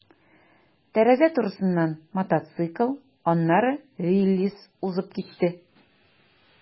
Тәрәзә турысыннан мотоцикл, аннары «Виллис» узып китте.